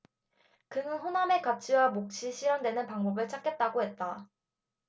그는 호남의 가치와 몫이 실현되는 방법을 찾겠다고 했다